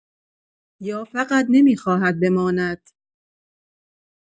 یا فقط نمی‌خواهد بماند؟